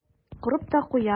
Корып та куя.